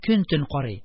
Көн-төн карый.